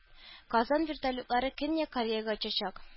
Казан вертолетлары Көньяк Кореяга очачак